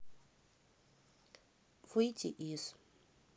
выйти из